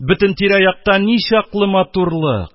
Бөтен тирә-якта ничаклы матурлык!